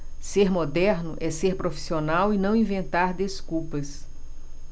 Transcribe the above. ser moderno é ser profissional e não inventar desculpas